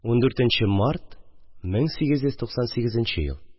14 нче март, 1898 ел